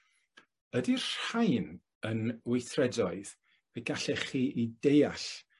ydi'r rhain yn weithredoedd y gallech chi eu deall